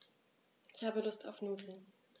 Ich habe Lust auf Nudeln.